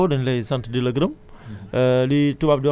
en tout Momadou Sonko dañ lay sant di la gërëm